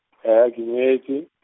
he e ke nyetše.